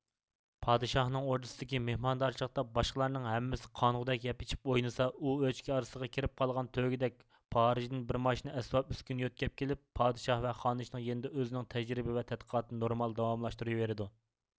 پادىشاھنىڭ ئوردىسىدىكى مېھماندارچىلىقتا باشقىلارنىڭ ھەممىسى قانغۇەك يەپ ئىچىپ ئوينىسا ئۇ ئۆچكە ئارىسىغا كىرىپ قالغان تۆگىدەك پارىژدىن بىر ماشىنا ئەسۋاب ئۈسكۈنە يۆتكەپ كېلىپ پادىشاھ ۋە خانىشنىڭ يېنىدا ئۆزىنىڭ تەجرىبە ۋە تەتقىقاتىنى نورمال داۋاملاشتۇرىۋېرىدۇ